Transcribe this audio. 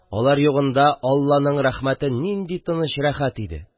Алар югында, алланың рәхмәте, нинди тыныч, рәхәт иде!